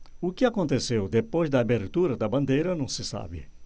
o que aconteceu depois da abertura da bandeira não se sabe